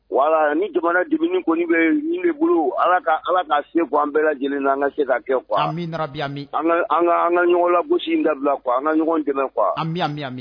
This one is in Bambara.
Wala ni jamana di kɔni bɛ min bolo ala ka ala k'a si bɔ an bɛɛ lajɛlen na an ka se ka kɛ anbimi an ka ɲɔgɔn la busi dabila kuwa an ka ɲɔgɔn dɛmɛ kuwa anmi